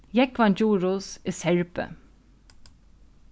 jógvan djurhuus er serbi